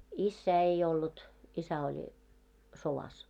isää ei ollut isä oli sodassa